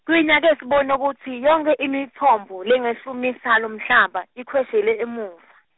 Gwinya ke sibone kutsi, yonkhe imitfombo lengahlumisa lomhlaba, ikhweshela emuva.